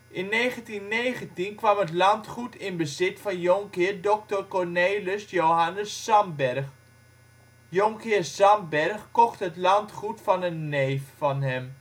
In 1919 kwam het landgoed in bezit van Jonkheer Doctor Cornelis Johannes Sandberg. Jonkheer Sandberg kocht het landgoed van een neef van hem